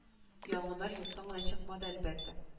Янгыннар юктан гына чыкмады әлбәттә